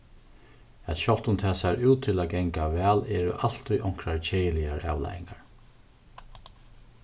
at sjálvt um tað sær út til at ganga væl eru altíð onkrar keðiligar avleiðingar